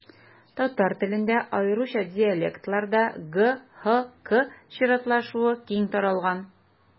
Татар телендә, аеруча диалектларда, г-х-к чиратлашуы киң таралган.